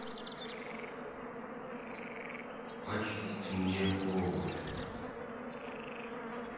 почисть мне обувь